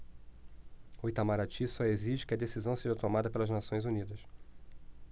o itamaraty só exige que a decisão seja tomada pelas nações unidas